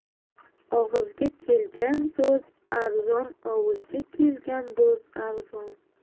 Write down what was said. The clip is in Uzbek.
og'izga kelgan so'z arzon ovulga kelgan bo'z arzon